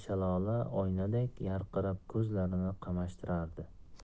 shalola oynadek yarqirab ko'zlarni qamashtirardi